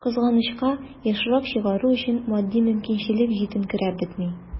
Кызганычка, ешрак чыгару өчен матди мөмкинчелек җитенкерәп бетми.